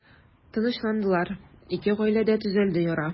Тынычландылар, ике гаиләдә төзәлде яра.